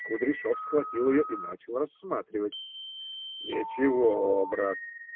Кудряшов схватил ее и начал рассматривать. - Ничего, брат!